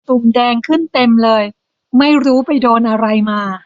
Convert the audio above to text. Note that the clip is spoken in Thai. ตุ่มแดงขึ้นเต็มเลยไม่รู้ไปโดนอะไรมา